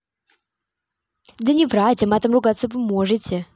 да не врать а матом ругаться вы можете